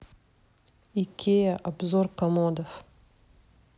икеа обзор комодов